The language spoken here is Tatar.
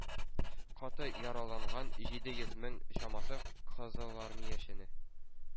Каты яраланган җиде йөз мең чамасы кызылармиячене